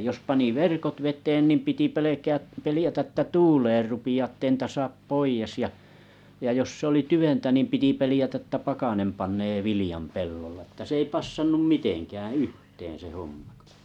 jos pani verkot veteen niin piti pelkää pelätä että tuulemaan rupeaa että ei niitä saa pois ja ja jos se oli tyventä piti pelätä että pakkanen panee viljan pellolla että se ei passannut mitenkään yhteen se homma kun